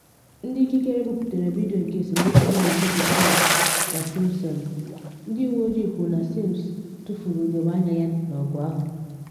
Ndị ikikere buputere vidio nke esemokwu dị n’etiti Sims na Simpson, ndị uwe ojii kwuru na Sims tufuru ugogbe anya ya n’ọgụ ahụ.